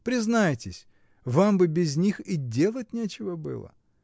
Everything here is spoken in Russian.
признайтесь, вам бы без них и делать нечего было?